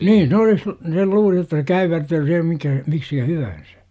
niin olisi - se luuli jotta se käyvertyy siihen mikä miksikä hyvänsä